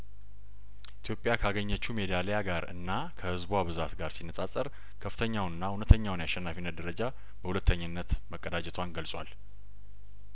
ኢትዮጵያ ካገኘችው ሜዳሊያጋር እና ከህዝቧ ብዛት ጋር ሲነጻጸር ከፍተኛውን እና እውነተኛውን የአሸነ ፊነት ደረጃ በሁለተኝነት መቀዳጀቷን ገልጿል